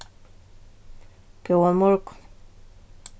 góðan morgun